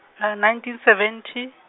nineteen seventy .